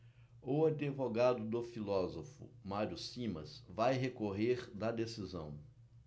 o advogado do filósofo mário simas vai recorrer da decisão